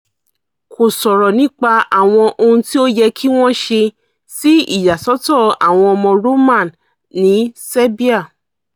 Kò sọ̀rọ̀ nípa àwọn ohun tí ó yẹ kí wọ́n ṣe sí ìyàsọ́tọ̀ àwọn ọmọ Roma ní Serbia.